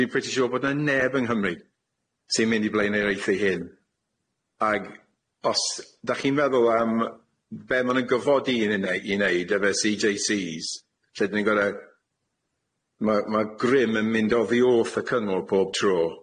Dwi'n pretty sure bod na neb yng Nghymru sy'n mynd i blaen i reithi hyn ag os dach chi'n meddwl am be' ma' nw'n gyfodi i ne- i neud efe See Jay See's lle dyn ni'n gor'o' ma' ma' grym yn mynd oddi wrth y cyngor pob tro.